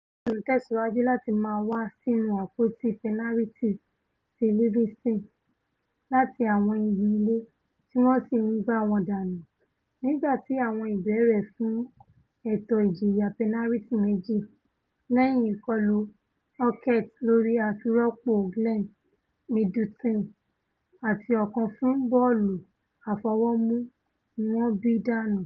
Bọ́ọ̀lù ńtẹ̀síwájú láti máa wá sínú àpòtí pẹnariti ti Livinston láti àwọn igun-ilé tí wọ́n sì ń gbá wọn dànu, nígbàti àwọn ìbèèrè fún ẹ̀tọ́ ìjìyà pẹnariti méjì -lẹ́yìn i̇̀kọlù Halkett lórí àfirọ́pò Glenn Middleton, àti ọ̀kan fún bọ́ọ̀lù àfọwọ́mù - ni wọ́n bí dànù.